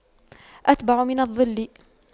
أتبع من الظل